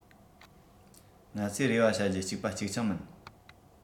ང ཚོས རེ བ བྱ རྒྱུ གཅིག པ གཅིག རྐྱང མིན